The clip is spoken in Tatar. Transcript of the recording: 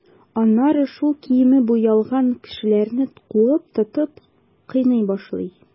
Аннары шул киеме буялган кешеләрне куып тотып, кыйный башлый.